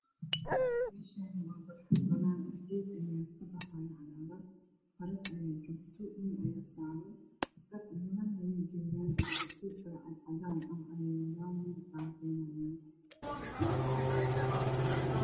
Meeshaan waa barxad banaan ah geed ayaa kabaxaayo cagaaran faras ayaa joogto nin ayaana saaran. Nimana way joogaan iyo gabdho dhar cadaan ah wato wayna dhaantaynayaan.